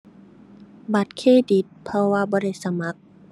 บัตรเครดิต เพราะว่าบ่ได้สมัคร